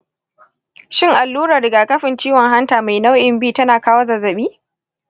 shin allurar rigakafin ciwon hanta mai nau’in b tana kawo zazzaɓi?